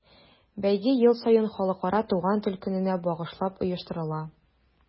Бәйге ел саен Халыкара туган тел көненә багышлап оештырыла.